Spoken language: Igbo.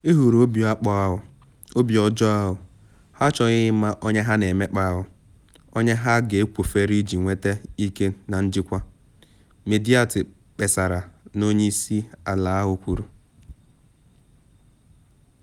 Ị hụrụ obi akpọ ahụ, obi ọjọọ ahụ, ha achọghị ịma onye ha na emekpa ahụ, onye ha ga-ekwofere iji nweta ike na njikwa,” Mediaite kpesara na onye isi ala ahụ kwuru.